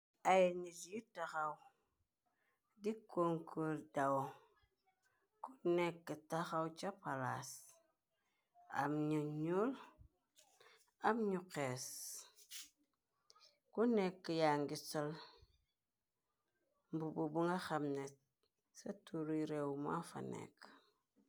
Ay nit yi taxaw di koncor dao ko nekk taxaw ca palas am ñu ñool am ñu xees ko nekk yaa ngisal mbub bu nga xamne ca turuy réew muafa nekk.